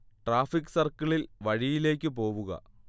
traffic സർക്കിളിൽ, വഴിയിലേക്ക് പോവുക